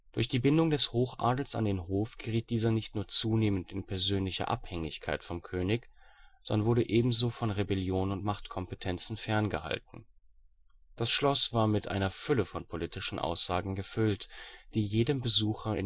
Durch die Bindung des Hochadels an den Hof geriet dieser nicht nur zunehmend in persönliche Abhängigkeit vom König, sondern wurde ebenso von Rebellionen und Machtkompetenzen ferngehalten. Das Schloss war mit einer Fülle von politischen Aussagen gefüllt, die jedem Besucher